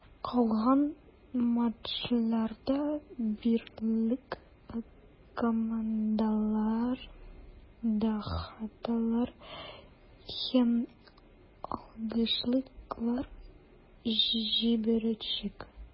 Калган матчларда барлык командалар да хаталар һәм ялгышлыклар җибәрәчәк.